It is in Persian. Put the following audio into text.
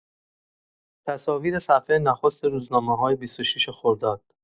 تصاویر صفحه نخست روزنامه‌های ۲۶ خرداد